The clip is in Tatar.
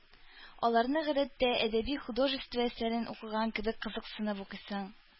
Аларны, гадәттә, әдәби-художество әсәрен укыган кебек кызыксынып укыйсың.